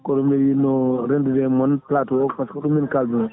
ko ɗum mi yinno rendude e moon e plateau o par ce que ɗum min kalduno